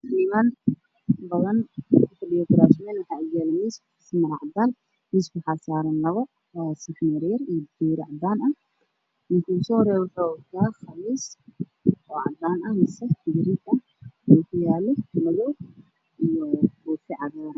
Niman badan oo kufadhiyaan kuraasman waxaa horyaala miis waxaa saaran maro cadaan ah. Miiska waxaa saaran labo saxan yar iyo fiyoore cadaan ah. Ninka ugu soo horeeyo waxuu wataa qamiis cadaan ah ama garee, ookiyaalo madow ah iyo koofi cadaan ah.